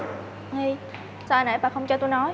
hi sao nãy bà không cho tôi nói